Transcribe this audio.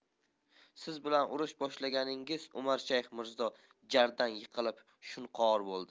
siz bilan urush boshlagan iningiz umarshayx mirzo jardan yiqilib shunqor bo'ldi